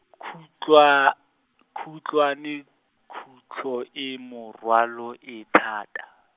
khutlwa-, khutlwana, khutlo e morwalo e thata.